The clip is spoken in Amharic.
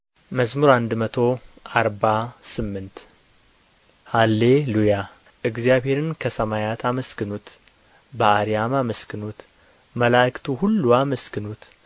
መዝሙር መቶ አርባ ስምንት ሃሌ ሉያ እግዚአብሔርን ከሰማያት አመስግኑት በአርያም አመስግኑት መላእክቱ ሁሉ አመስግኑት